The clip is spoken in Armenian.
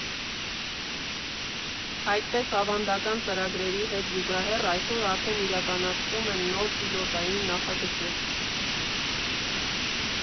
Այդպես, ավանդական ծրագրերի հետ զուգահեռ այսօր արդեն իրականացվում են նոր պիլոտային նախագծեր։